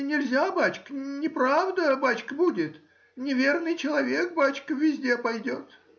— нельзя, бачка: неправда, бачка, будет; неверный человек, бачка, везде пойдет.